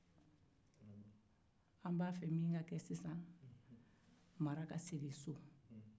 an b'a fɛ mara ka segin so sisan